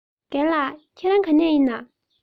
རྒན ལགས ཁྱེད རང ག ནས ཡིན ན